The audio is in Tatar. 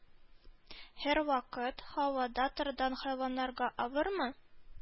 Һәрвакыт һавада торган хайваннарга авырмы?